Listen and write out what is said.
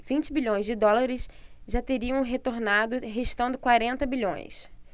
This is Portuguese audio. vinte bilhões de dólares já teriam retornado restando quarenta bilhões